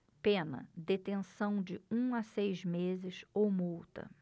pena detenção de um a seis meses ou multa